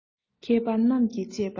མཁས པ རྣམས ཀྱིས དཔྱད པ ཡི